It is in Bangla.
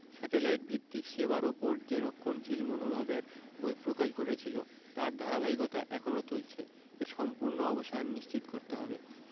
স্যাটেলাইট ভিত্তিক সেবার ওপর যে রক্ষণশীল মনোভাবের বহিঃপ্রকাশ ঘটেছিল তার ধারাবাহিকতা এখনো চলছে এর সম্পূর্ণ অবসান নিশ্চিত করতে হবে